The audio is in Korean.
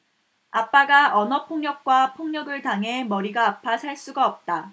아빠가 언어폭력과 폭력을 당해 머리가 아파 살 수가 없다